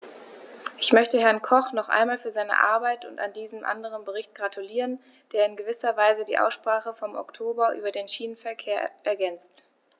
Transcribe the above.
Ich möchte Herrn Koch noch einmal für seine Arbeit an diesem anderen Bericht gratulieren, der in gewisser Weise die Aussprache vom Oktober über den Schienenverkehr ergänzt.